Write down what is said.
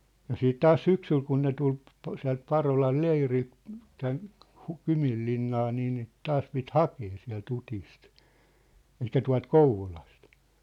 ja sitten taas syksyllä kun ne tuli - sieltä Parolan leiriltä tänne - Kyminlinnaan niin niitä taas piti hakea sieltä Utista eli tuolta Kouvolasta